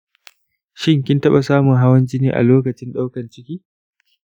shin, kin taɓa samun hawan jini a lokacin ɗaukar ciki?